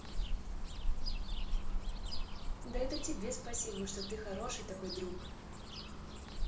да это тебе спасибо что ты хороший такой друг